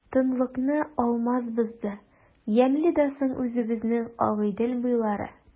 Тынлыкны Алмаз бозды:— Ямьле дә соң үзебезнең Агыйдел буйлары!